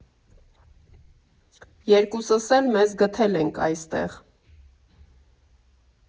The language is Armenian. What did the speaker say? Երկուսս էլ մեզ գտել ենք այստեղ։